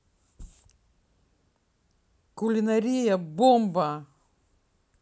кулинария бомба